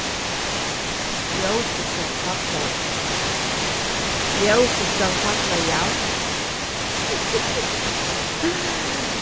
ljósið skal falla ljósið skal falla javnt